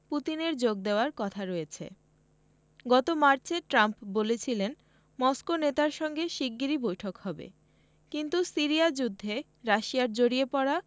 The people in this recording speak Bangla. পুতিনের যোগ দেওয়ার কথা রয়েছে গত মার্চে ট্রাম্প বলেছিলেন মস্কো নেতার সঙ্গে শিগগিরই বৈঠক হবে কিন্তু সিরিয়া যুদ্ধে রাশিয়ার জড়িয়ে পড়া